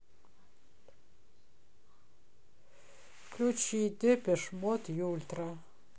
включи депеш мод юльтра